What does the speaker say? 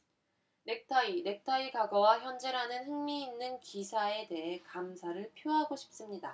넥타이 넥타이 과거와 현재라는 흥미 있는 기사에 대해 감사를 표하고 싶습니다